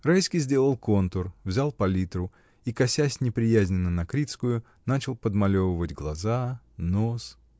Райский сделал контур, взял палитру и, косясь неприязненно на Крицкую, начал подмалевывать глаза, нос.